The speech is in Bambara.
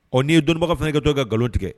Ɔ n'i ye dɔnnibaga fana kɛtɔ ye ka nkalon tigɛ